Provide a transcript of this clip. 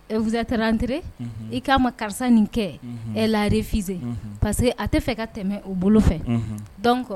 Et vous êtes rentrés i k'a ma karisa nin kɛ elle a refusé parce que a tɛ fɛ ka tɛmɛ o bolo fɛ